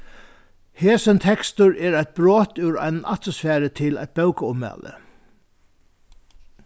hesin tekstur er eitt brot úr einum aftursvari til eitt bókaummæli